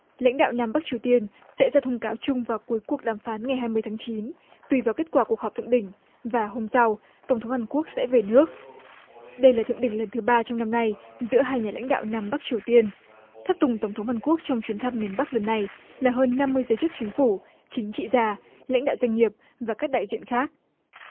lãnh đạo nhằm bắc triều tiên sẽ ra thông cáo chung vào cuối cuộc đàm phán ngày hai mươi tháng chín tùy vào kết quả cuộc họp thượng đỉnh và hôm sau tổng thống hàn quốc sẽ về nước đây là thượng đỉnh lần thứ ba trong năm nay giữa hai nhà lãnh đạo nam bắc triều tiên tháp tùng tổng thống hàn quốc trong chuyến thăm miền bắc lần này là hơn năm mươi giới chức chính phủ chính trị gia lãnh đạo doanh nghiệp và các đại diện khác